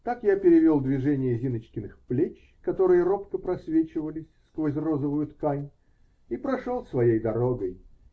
Так я перевел движение Зиночкиных плеч, которые робко просвечивались сквозь розовую ткань, и прошел своей дорогой